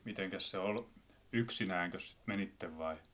mitenkäs se oli yksinäänkös sitten menitte vai